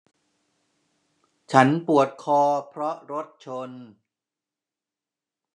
ฉันปวดคอเพราะรถชน